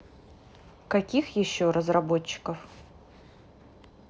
каких еще разработчиков